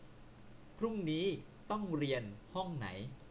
พรุ่งนี้ต้องเรียนห้องไหน